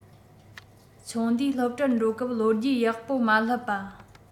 ཆུང དུས སློབ གྲྭར འགྲོ སྐབས ལོ རྒྱུས ཡག པོ མ སློབ པ